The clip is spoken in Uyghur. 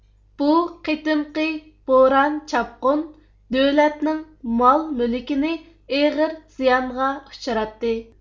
بۇ قېتىمقى بوران چاپقۇن دۆلەتنىڭ مال مۈلكىنى ئېغىر زىيانغا ئۇچراتتى